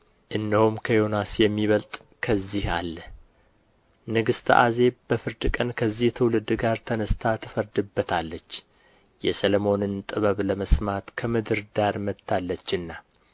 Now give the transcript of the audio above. እነሆም ከዮናስ የሚበልጥ ከዚህ አለ ንግሥተ ዓዜብ በፍርድ ቀን ከዚህ ትውልድ ጋር ተነሥታ ትፈርድበታለች የሰሎሞንን ጥበብ ለመስማት ከምድር ዳር መጥታለችና